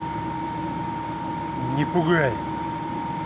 ну пугай